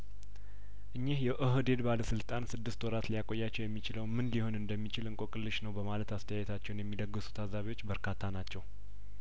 እኚህ የኦህዴድ ባለስልጣን ስድስት ወራት ሊያቆያቸው የሚችለውምን ሊሆን እንደሚችል እንቆቅልሽ ነው በማለት አስተያየታቸውን የሚለግሱ ታዛቢዎች በርካታ ናቸው